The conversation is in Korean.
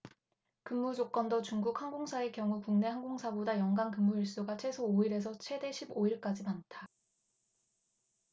근무조건도 중국 항공사의 경우 국내 항공사보다 연간 근무 일수가 최소 오 일에서 최대 십 오 일까지 많다